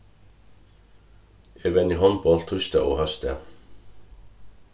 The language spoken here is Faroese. eg venji hondbólt týsdag og hósdag